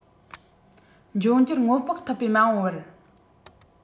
འབྱུང འགྱུར སྔོན དཔག ཐུབ པའི མ འོངས པར